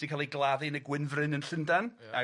Sy'n ca'l ei gladdu yn y Gwynfryn. Ia. Yn Llundan. Ia.